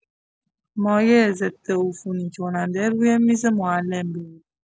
مایع ضدعفونی‌کننده روی میز معلم بود.